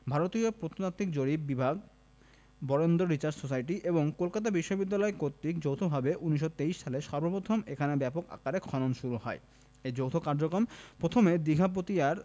ভারতীয় প্রত্নতাত্ত্বিক জরিপ বিভাগ বরেন্দ্র রিসার্চ সোসাইটি এবং কলকাতা বিশ্ববিদ্যালয় কর্তৃক যৌথভাবে ১৯২৩ সালে সর্বপ্রথম এখানে ব্যাপক আকারে খনন শুরু হয় এ যৌথ কার্যক্রম প্রথমে দিঘাপতিয়ার